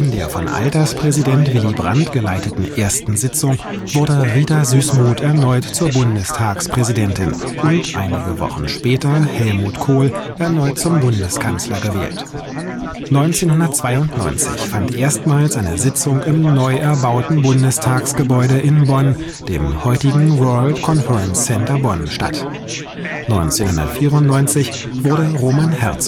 der von Alterspräsident Willy Brandt geleiteten ersten Sitzung wurde Rita Süssmuth erneut zur Bundestagspräsidentin und einige Wochen später Helmut Kohl erneut zum Bundeskanzler gewählt. Bei der Wahl des deutschen Bundespräsidenten 1994 wurde Roman Herzog zum siebten Bundespräsidenten gewählt. 1992 fand erstmals eine Sitzung im neu erbauten Bundestagsgebäude in Bonn, dem heutigen World Conference Center Bonn) statt